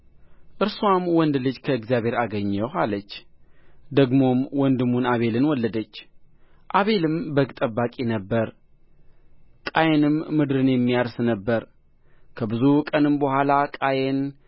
እርስዋም ወንድ ልጅ ከእግዚአብሔር አገኘሁ አለች ደግሞም ወንድሙን አቤልን ወለደች አቤልም በግ ጠባቂ ነበረ ቃየንም ምድርን የሚያርስ ነበረ ከብዙ ቀን በኋላም ቃየን